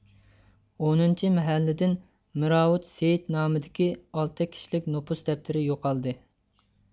ئونىنچى مەھەللىدىن مىرئاۋۇت سېيىت نامىدىكى ئالتە كىشىلىك نوپۇس دەپتىرى يوقالدى